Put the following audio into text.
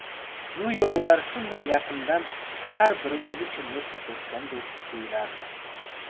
go'yo ular shunday yaqindan har biri o'zicha nur sochayotgandek tuyulardi